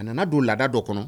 A nana don laada dɔ kɔnɔ